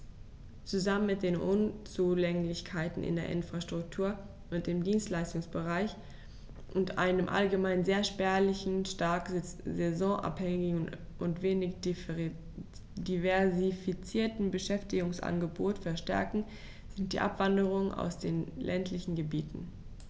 Zusammen mit den Unzulänglichkeiten in der Infrastruktur und im Dienstleistungsbereich und einem allgemein sehr spärlichen, stark saisonabhängigen und wenig diversifizierten Beschäftigungsangebot verstärken sie die Abwanderung aus den ländlichen Gebieten.